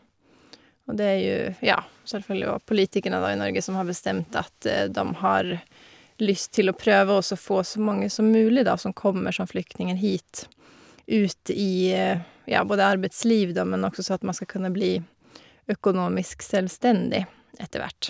Og det er jo, ja, selvfølgelig òg politikerne, da, i Norge, som har bestemt at dem har lyst til å prøve å så få så mange som mulig, da, som kommer som flyktninger hit, ut i, ja, både arbeidsliv, da, men også så at man skal kunne bli økonomisk selvstendig etter hvert.